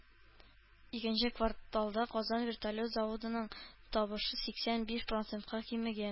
Икенче кварталда Казан вертолет заводының табышы сиксән биш процентка кимегән